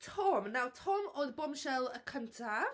Tom. Nawr Tom oedd bombshell y cyntaf.